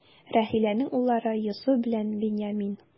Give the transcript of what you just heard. Рахиләнең уллары: Йосыф белән Беньямин.